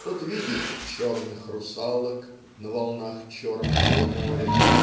тот видит "черных русалок" на волнах Чермного моря